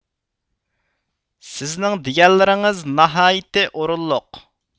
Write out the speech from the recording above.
سىزنىڭ دېگەنلىرىڭىز ناھايىتى ئورۇنلۇق